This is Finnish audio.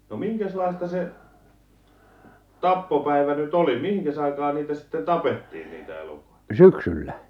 no minkäslaista se tappopäivä nyt oli mihin aikaan niitä sitten tapettiin niitä elukoita